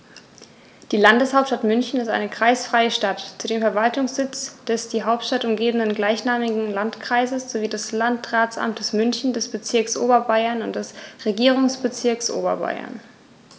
Die Landeshauptstadt München ist eine kreisfreie Stadt, zudem Verwaltungssitz des die Stadt umgebenden gleichnamigen Landkreises sowie des Landratsamtes München, des Bezirks Oberbayern und des Regierungsbezirks Oberbayern.